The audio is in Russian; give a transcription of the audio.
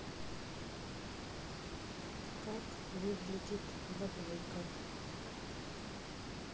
как выглядит бабайка